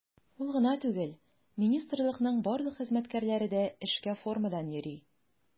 Ул гына түгел, министрлыкның барлык хезмәткәрләре дә эшкә формадан йөри.